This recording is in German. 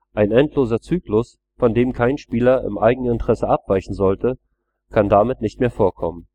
Ein endloser Zyklus, von dem kein Spieler im Eigeninteresse abweichen sollte, kann damit nicht mehr vorkommen